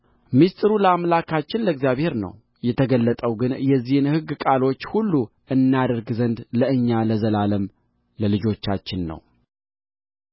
ምሥጢሩ ለአምላካችን ለእግዚአብሔር ነው የተገለጠው ግን የዚህን ሕግ ቃሎች ሁሉ እናደርግ ዘንድ ለእኛ ለዘላለምም ለልጆቻችን ነው